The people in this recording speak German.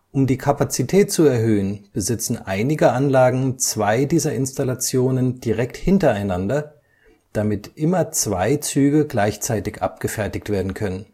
Um die Kapazität zu erhöhen, besitzen einige Anlagen zwei dieser Installationen direkt hintereinander, damit immer zwei Züge gleichzeitig abgefertigt werden können